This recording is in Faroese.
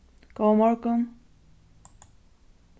góðan morgun